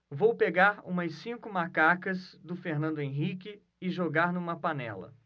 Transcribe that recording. vou pegar umas cinco macacas do fernando henrique e jogar numa panela